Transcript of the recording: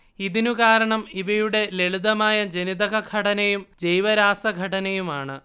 ഇതിനു കാരണം ഇവയുടെ ലളിതമായ ജനിതക ഘടനയും ജൈവരാസഘടനയുമാണ്